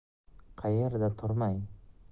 qayerda turmay